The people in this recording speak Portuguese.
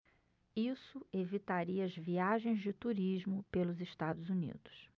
isso evitaria as viagens de turismo pelos estados unidos